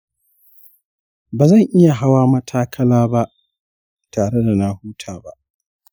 ba zan iya hawa matakala ba tare da na huta ba.